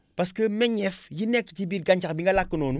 parce que meññeef yi nekk ci biir gàncax bi nga lakk noonu